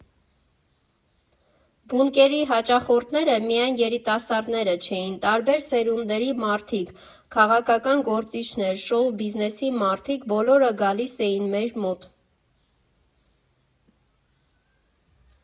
«Բունկերի» հաճախորդները միայն երիտասարդները չէին, տարբեր սերունդների մարդիկ, քաղաքական գործիչներ, շոու֊բիզնեսի մարդիկ՝ բոլորը գալիս էին մեր մոտ։